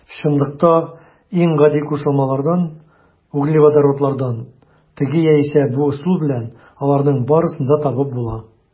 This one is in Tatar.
Чынлыкта иң гади кушылмалардан - углеводородлардан теге яисә бу ысул белән аларның барысын да табып була.